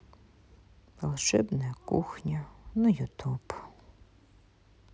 волшебная кухня на ютуб